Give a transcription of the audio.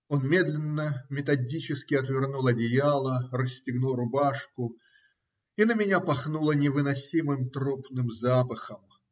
Он медленно, методически отвернул одеяло, расстегнул рубашку, и на меня пахнуло невыносимым трупным запахом.